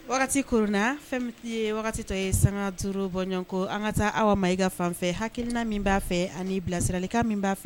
Wagati kurunna fɛn bɛ ye wagati tɔ ye san duuruuru bɔɲɔgɔn kɔ an ka taa aw ma i ka fanfɛ hakilina min b'a fɛ ani bilasiralika min b'a fɛ